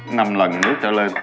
năm lần nước trở lên